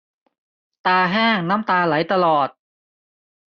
ตาแห้งน้ำตาไหลตลอด